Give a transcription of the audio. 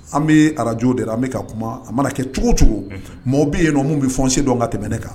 An bɛ arajo de an bɛ ka kuma a mana kɛ cogo cogo mɔgɔ bɛ yen ye bɛ fɔsen dɔn ka tɛmɛ ne kan